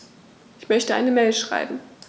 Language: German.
Ich möchte eine Mail schreiben.